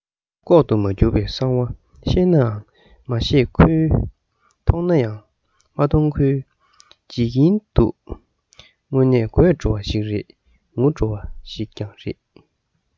ལྐོག ཏུ མ གྱུར པའི གསང བ ཤེས ནའང མ ཤེས ཁུལ མཐོང ནའང མ མཐོང ཁུལ བྱེད ཀྱིན འདུག དངོས གནས དགོད བྲོ བ ཞིག རེད ངུ བྲོ བ ཞིག ཀྱང རེད